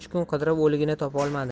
kun qidirib o'ligini topolmadim